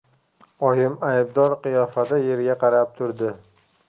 oyim aybdor qiyofada yerga qarab turdi